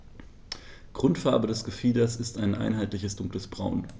Grundfarbe des Gefieders ist ein einheitliches dunkles Braun.